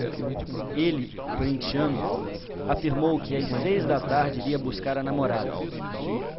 ele corintiano afirmou que às seis da tarde iria buscar a namorada